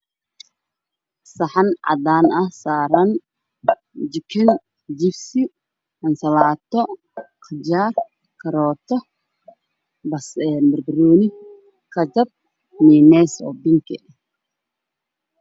Saxan cadaan ah oo saaran jikin io jibsi ansalaato jaak kaarooto banbanooni qajar niinays oo binki ah